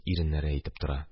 Иреннәре әйтеп тора.